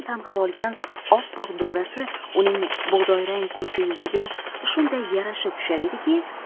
tang'ib olgan oppoq durrasi uning bug'doyrang kulcha yuziga shunday yarashib tushar ediki